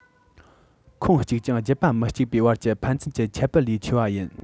ཁོངས གཅིག ཀྱང རྒྱུད པ མི གཅིག པའི བར གྱི ཕན ཚུན གྱི ཁྱད པར ལས ཆེ བ ཡིན